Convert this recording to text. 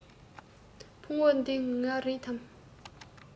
ཕུང བོ འདི ང རེད དམ